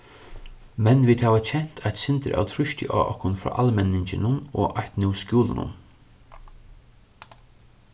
men vit hava kent eitt sindur av trýsti á okkum frá almenninginum og eitt nú skúlunum